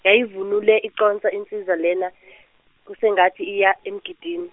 yayivunule iconsa insizwa lena kusengathi iya emgidin-.